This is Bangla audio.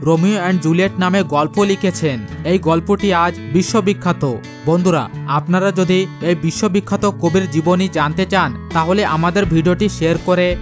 রোমিও এন্ড জুলিয়েট নামক গল্প লিখেছিলেন এ গল্পটি আজ বিশ্ব বিখ্যাত বন্ধুরা আপনারা যদি এ বিশ্ব বিখ্যাত কবির জীবনী জানতে চান তাহলে আমাদের ভিডিওটি শেয়ার করে